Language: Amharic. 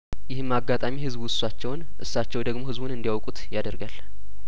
ይህም አጋጣሚ ህዝቡ እሳቸውን እሳቸው ደግሞ ህዝቡን እንዲያውቁት ያደርጋል